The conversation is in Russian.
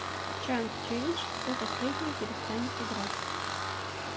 chang челлендж кто последнее перестанет играть